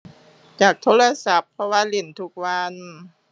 จากโทรศัพท์ เพราะว่าเล่นทุกวัน